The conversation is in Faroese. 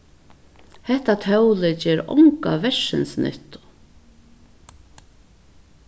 hetta tólið ger onga verðsins nyttu